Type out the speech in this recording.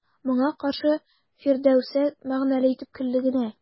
Моңа каршы Фирдәүсә мәгънәле итеп көлде генә.